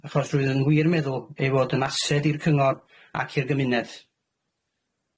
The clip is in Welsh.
achos rwyf yn wir meddwl ei fod yn ased i'r Cyngor ac i'r gymuned.